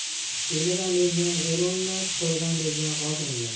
elidan bezgan er o'ngmas ko'lidan bezgan g'oz o'ngmas